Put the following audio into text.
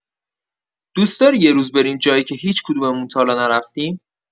دوست‌داری یه روز بریم جایی که هیچ‌کدوممون تا حالا نرفتیم؟